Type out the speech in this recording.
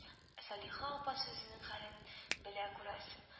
Сәлихә апа сүзенең хәлен белә күрәсең